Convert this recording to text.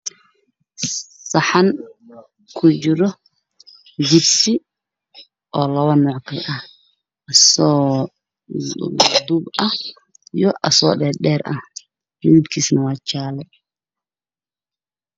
Waa saxan waxaa kujiro biidso oo labo nuuc ah asagoo dhaadheer iyo asagoo duuduub ah midabkiisu waa jaale.